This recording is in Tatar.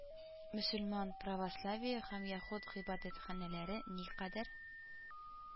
Мөселман, православие һәм яһүд гыйбадәтханәләре никадәр